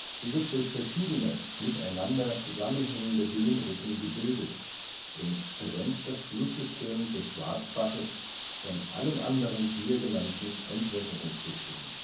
Sie wird durch verschiedene, miteinander zusammenhängende Höhenrücken gebildet (Kammwasserscheide) und trennt das Flusssystem des Schwarzbaches von allen anderen hier genannten Entwässerungssystemen